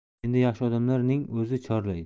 endi yaxshi odamlar ning o'zi chorlaydi